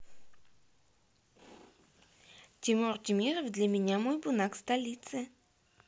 тимур темиров для меня мой бунак столица